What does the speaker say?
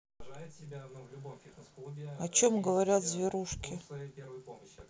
о чем говорят зверушки